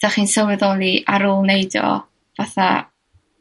'dach chi'n sylweddoli, ar ôl neud o, fatha,